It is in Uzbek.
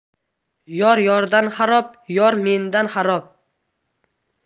yor yordan xarob yor mendan xarob